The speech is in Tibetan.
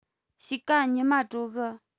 དཔྱིད ཀ ཉི མོ དྲོ གི